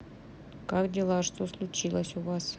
как дела что случилось у вас